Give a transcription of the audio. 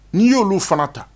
N'i y'olu fana ta